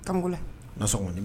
Ka mun k'o la nan sɔŋɔ nin m